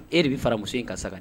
E de bɛ fara muso in ka saga